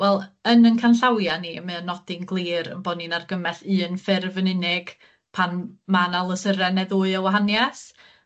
Wel, yn 'yn canllawia ni, mae o'n nodi'n glir 'yn bo' ni'n argymell un ffyrf yn unig pan ma' 'na lythyren ne' ddwy o wahaniath.